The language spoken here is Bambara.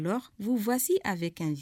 Donlɔ b'u basi a bɛ kɛji